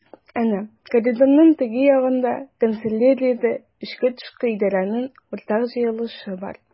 Әнә коридорның теге ягында— канцеляриядә эчке-тышкы идарәнең уртак җыелышы бара.